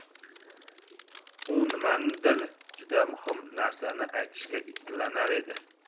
u nimanidir juda muhim narsani aytishga ikkilanar edi